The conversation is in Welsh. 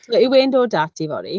So yw e'n dod 'da ti fory?